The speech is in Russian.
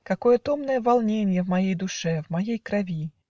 Какое томное волненье В моей душе, в моей крови!